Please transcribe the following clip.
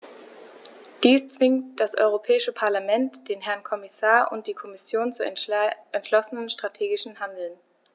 Dies zwingt das Europäische Parlament, den Herrn Kommissar und die Kommission zu entschlossenem strategischen Handeln.